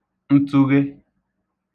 ntụghe